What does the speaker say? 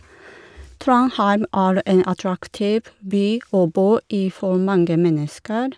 Trondheim er en attraktiv by å bo i for mange mennesker.